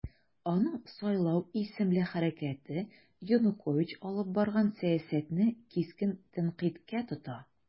Аның "Сайлау" исемле хәрәкәте Янукович алып барган сәясәтне кискен тәнкыйтькә тота.